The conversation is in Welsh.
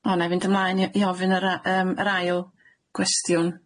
O na'i mynd ymlaen i i ofyn yr yym yr ail gwestiwn.